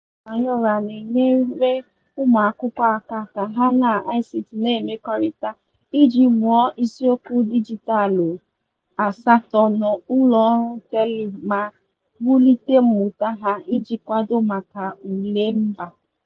Shilpa Sayura na-enyere ụmụakwụkwọ aka ka ha na ICT na-emekọrịta iji mụọ isiokwu dijitalụ 8 n'ụlọọrụ tele ma wulite mmụta ha iji kwado maka ule mba.